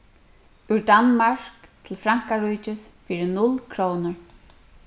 úr danmark til frankaríkis fyri null krónur